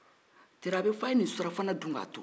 tari a bi f'a ye nin surafana dun ka to